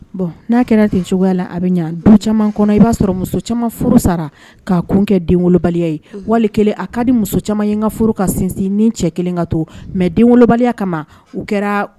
bon n'a kɛra ten cogoyala a bɛ ɲan? Furu caaman kɔnɔ, i b'a sɔrɔ muso caaman ka furu sara k'a kun kɛ denwolobaliya ye, wali a ka di muso caaman n ka furu ka sinsin ni cɛ 1 kelen ka to, mais denwolobaliya kama u kɛra